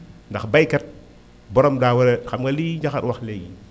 ndax baykat boram daa war a xam nga li Ndiakhate wax léegi